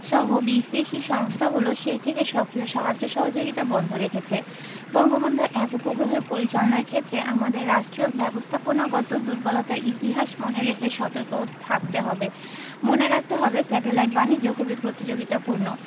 সহ বিশদেশি সংস্থাগুলো সেই থেকে সক্রিয় সাহায্য সহযোগিতা বন্ধ রেখেছে বঙ্গবন্ধু ১ উপগ্রহের পরিচালনার ক্ষেত্রে আমাদের রাষ্ট্রীয় ব্যবস্থাপনাগত দূর্বলতার ইতিহাস মনে রেখে সতর্ক থাকতে হবে মনে রাখতে হবে স্যাটেলাইট বাণিজ্য খুবই প্রতিযোগিতাপূর্ণ